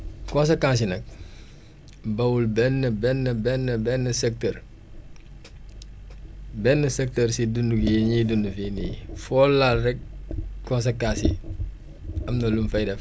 conséquences yi nag bawul benn benn benn benn secteur benn secteur si dundu gii ñuy dund fii nii foo laal rek conséquence yi am na lum fay def